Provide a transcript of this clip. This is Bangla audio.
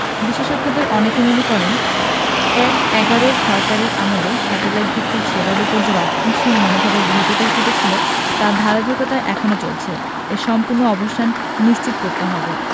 বিশেষজ্ঞদের অনেকে মনে করেন এক–এগারোর সরকারের আমলে স্যাটেলাইট ভিত্তিক সেবার ওপর যে রক্ষণশীল মনোভাবের বহিঃপ্রকাশ ঘটেছিল তার ধারাবাহিকতা এখনো চলছে এর সম্পূর্ণ অবসান নিশ্চিত করতে হবে